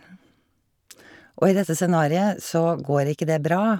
Og i dette scenariet så går ikke det bra.